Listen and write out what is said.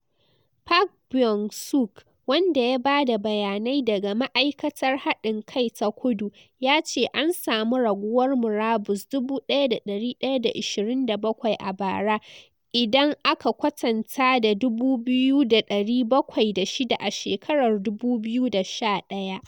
Park Byeong-seug, wanda ya bada bayanai daga ma'aikatar hadin kai ta Kudu, ya ce an samu raguwar murabus 1,127 a bara - idan aka kwatanta da 2,706 a shekarar 2011.